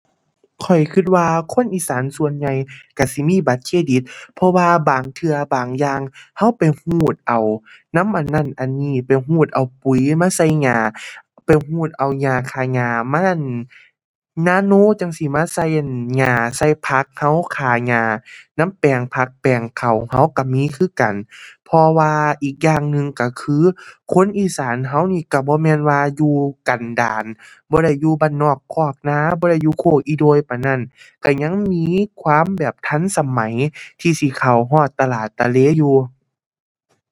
ข้อยคิดว่าคนอีสานส่วนใหญ่คิดสิมีบัตรเครดิต เพราะว่าบางเทื่อ บางอย่าง คิดไปคิดเอานำอันนั้นอันนี้ ไปคิดเอาปุ๋ยมาใส่หญ้า ไปคิดเอายาฆ่าหญ้ามา อัน nano จั่งซี้ มาใส่ อั่น หญ้า ใส่ผักคิด ฆ่าหญ้านำแปลงผักแปลงข้าวคิดคิดมีคือกัน เพราะว่าอีกอย่างหนึ่งคิดคือคนอีสานคิดนี่คิดบ่แม่นว่าอยู่กันดาร บ่ได้อยู่บ้านนอกคอกนา บ่ได้อยู่โคกอีโด่ยปานนั้น คิดยังมีความแบบทันสมัย ที่สิเข้าฮอดตลาดตะเลอยู่